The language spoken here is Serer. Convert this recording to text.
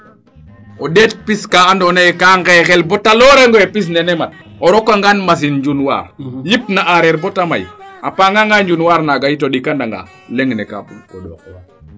o ndeet pis kaa ando naye kaa ngexel bata woronge pis neeke mat o roka ngaan machine njuwaar yipna areer bata may a paanga nga njumwaar naaga yit o ɗika na nga leŋ ne kaa bug ko ɗook waa